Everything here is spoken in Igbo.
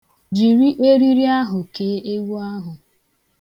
Jiri eriri ahụ kee ewu ahụ.